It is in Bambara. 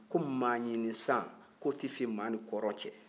komaɲini san k'o tɛ fin maa ni kɔrɔn cɛ